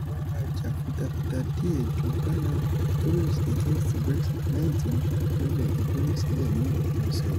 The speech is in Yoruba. Àwọn ajàfitafita díẹ̀ ju bánà Tories Against Brexit lẹ́yìn tí wọ́n ṣẹ ìfilọ́lẹ̀ ẹgbẹ́ náà sílẹ̀ ní òpin ọ̀sẹ̀ yìí.